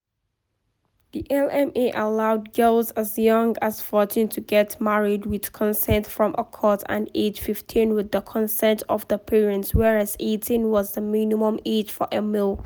The LMA allowed girls as young as 14 to get married with consent from a court and age 15 with the consent of the parents whereas 18 years was the minimum age for a male.